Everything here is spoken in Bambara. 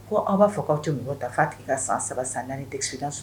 Ko aw b'a fɔ k'aw tɛ mɔgɔ ta fɔ a tigi ka san 3,san 4 d'expériences so